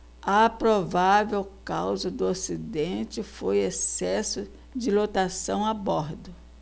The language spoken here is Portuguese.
a provável causa do acidente foi excesso de lotação a bordo